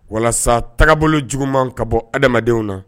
Walasa taga bolo juguman ka bɔ adamadenw na